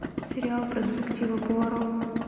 сериал про детектива пуаро